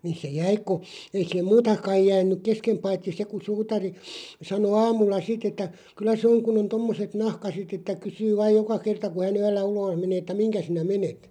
niin se jäi kun ei siihen muuta kai jäänyt kesken paitsi se kun suutari sanoi aamulla sitten että kyllä se on kun on tuommoiset nahkaiset että kysyy vain joka kerta kun hän yöllä ulos menee että mihin sinä menet